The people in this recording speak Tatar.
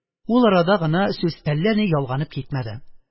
Ул арада гына сүз әллә ни ялганып китмәде.